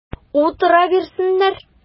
Утыра бирсеннәр!